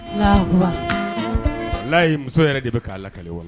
Walaye muso yɛrɛ de bi ka lakale.